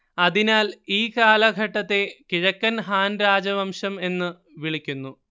അതിനാൽ ഈ കാലഘട്ടത്തെ കിഴക്കൻ ഹാൻ രാജവംശം എന്നു വിളിക്കുന്നു